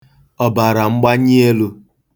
ọ̀bàràmgbanyielū